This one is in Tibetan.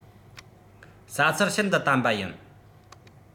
ཟ ཚུལ ཤིན ཏུ དམ པ ཡིན